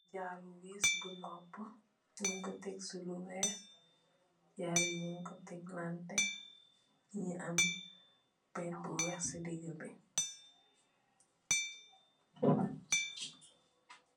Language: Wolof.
Jaaru seew bu nopa nugku tek se lu weex jaaru yu nugku teklante nye am per bu weex se degebe.